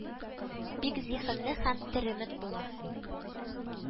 Бик зиһенле һәм теремек була